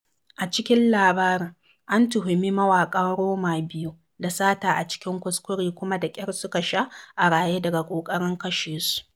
A cikin labarin, an tuhumi mawaƙan Roma biyu da sata a cikin kuskure kuma da ƙyar suka sha a raye daga ƙoƙarin kashe su.